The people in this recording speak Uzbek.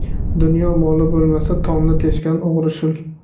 dunyo moli bo'lmasa tomni teshgan o'g'ri shul